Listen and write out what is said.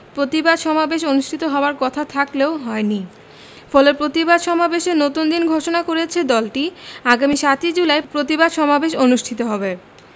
প্রতিবাদ সমাবেশ অনুষ্ঠিত হবার কথা থাকলেও হয়নি ফলে প্রতিবাদ সমাবেশের নতুন দিন ঘোষণা করেছে দলটি আগামী ৭ ই জুলাই প্রতিবাদ সমাবেশ অনুষ্ঠিত হবে